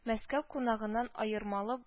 Әскәү кунагыннан аермалы